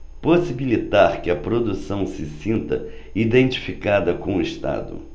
possibilitar que a população se sinta identificada com o estado